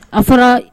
A fɔra